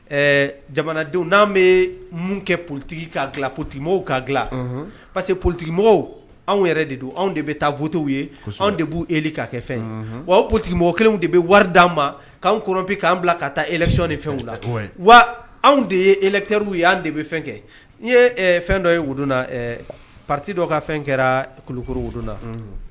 Jamanadenw n' bɛ minnu kɛ politigi ka dila ptigikimɔgɔ ka dila parce que politigimɔgɔ anw yɛrɛ de don anw de bɛ taa futw ye anw de b'u e k kaa kɛ fɛn wa ptigimɔgɔ kelenw de bɛ wari d anw ma' anw kp k'an bila ka taa ecɔnni fɛn la to wa anw de ye etrw ye anw de bɛ fɛn kɛ n ye fɛn dɔ ye wud pati dɔ ka fɛn kɛra kulukoro wuna